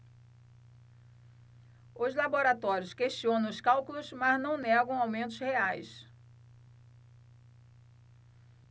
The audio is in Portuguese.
os laboratórios questionam os cálculos mas não negam aumentos reais